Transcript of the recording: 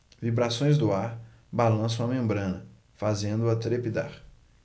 vibrações do ar balançam a membrana fazendo-a trepidar